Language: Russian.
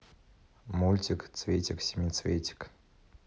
мультик цветик семицветик